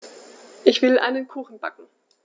Ich will einen Kuchen backen.